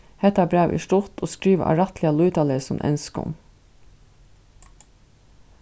hetta brævið er stutt og skrivað á rættiliga lýtaleysum enskum